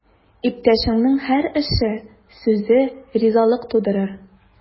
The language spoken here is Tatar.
Иптәшеңнең һәр эше, сүзе ризалык тудырыр.